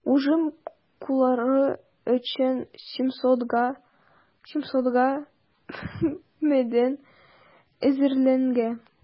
Уҗым культуралары өчен 700 га мәйдан әзерләнгән.